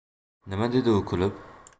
nima dedi u kulib